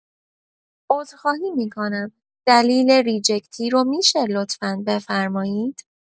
عذرخواهی می‌کنم دلیل ریجکتی رو می‌شه لطفا بفرمایید؟